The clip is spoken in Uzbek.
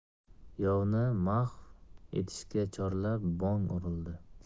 yovni mahv etishga chorlab bong urildi